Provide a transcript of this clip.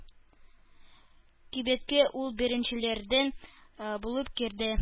Кибеткә ул беренчеләрдән булып керде.